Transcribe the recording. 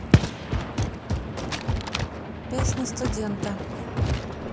песня студента